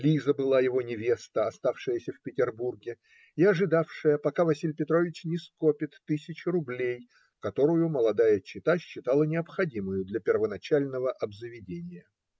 Лиза была его невеста, оставшаяся в Петербурге и ожидавшая, пока Василий Петрович не скопит тысячи рублей, которую молодая чета считала необходимою для первоначального обзаведения.